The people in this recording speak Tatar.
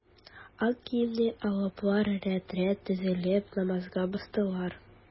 Ак киемле алыплар рәт-рәт тезелеп, намазга бастылар.